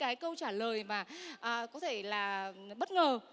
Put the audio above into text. cái câu trả lời mà à có thể là bất ngờ